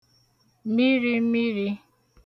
mirīmirī